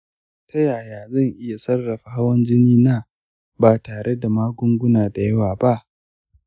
ta yaya zan iya sarrafa hawan jinin na ba tare da magunguna da yawa ba?